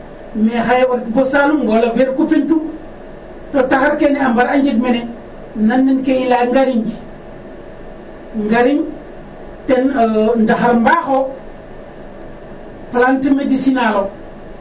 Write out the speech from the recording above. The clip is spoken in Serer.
mais xaye o ret bo saalum wala vers Kupentum to taxar kene a mbar'a njeg mene nanen ke i laya ngariñ ngariñ ten ndaxar mbaax o plante médicinale lo